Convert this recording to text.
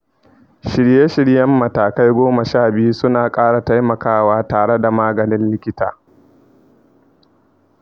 shirye-shiryen matakai goma sha biyu suna ƙara taimakawa tare da maganin likita.